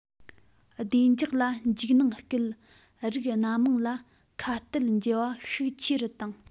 བདེ འཇགས ལ འཇིགས སྣང སྐུལ རིགས སྣ མང ལ ཁ གཏད འཇལ བ ཤུགས ཆེ རུ བཏང